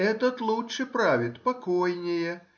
этот лучше правит, покойнее.